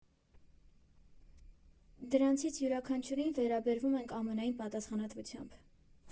Դրանցից յուրաքանչյուրին վերաբերվում ենք ամենայն պատասխանատվությամբ։